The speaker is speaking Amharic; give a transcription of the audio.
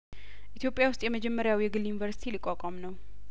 ኢትዮጵያ ውስጥ የመጀመሪያው የግል ዩኒቨርሲቲ ሊቋቋም ነው